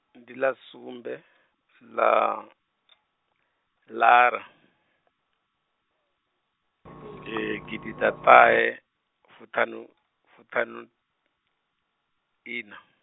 ndiḽa sumbe, ḽa , ḽara , gididatahefuthanu-, -futhanuiina.